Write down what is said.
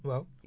waaw